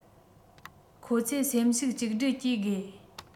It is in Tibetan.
ཁོ ཚོས སེམས ཤུགས གཅིག སྒྲིལ གྱིས དགོས